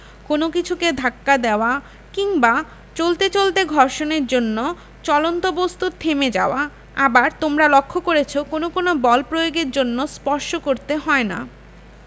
কোনো কিছুকে ধাক্কা দেওয়া কিংবা চলতে চলতে ঘর্ষণের জন্য চলন্ত বস্তুর থেমে যাওয়া আবার তোমরা লক্ষ করেছ কোনো কোনো বল প্রয়োগের জন্য স্পর্শ করতে হয় না